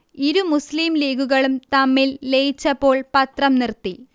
ഇരു മുസ്ലിം ലീഗുകളും തമ്മിൽ ലയിച്ചപ്പോൾ പത്രം നിർത്തി